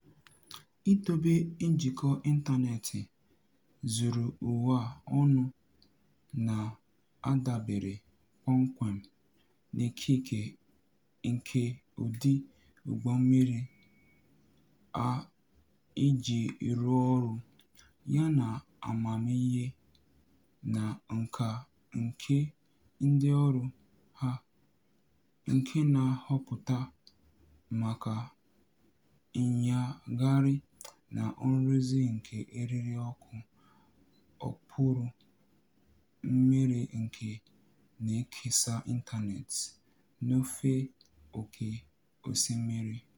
Idobe njikọ ịntaneetị zuru ụwa ọnụ na-adabere kpọmkwem n'ikike nke ụdị ụgbọmmiri a iji rụọ ọrụ, yana amamihe na nkà nke ndịọrụ ha, nke na-ahụta maka nnyagharị na nrụzi nke eririọkụ okpuru mmiri nke na-ekesa ịntaneetị n'ofe oke osimiri.